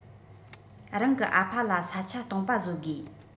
རང གི ཨ ཕ ལ ས ཆ སྟོང པ བཟོ དགོས